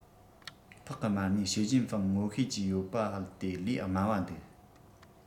ཕག གི མ གནས ཞེ ཅིན ཧྥེང ངོ ཤེས ཀྱི ཡོད པ སྟེ ལས དམའ བ འདུག